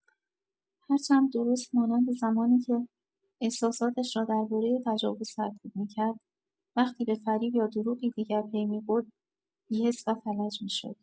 هرچند درست مانند زمانی که احساساتش را درباره تجاوز سرکوب می‌کرد، وقتی به فریب یا دروغی دیگر پی می‌برد، بی‌حس و فلج می‌شد.